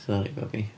Sori babi.